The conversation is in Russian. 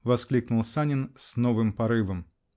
-- воскликнул Санин с новым порывом .